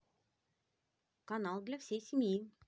канал для всей семьи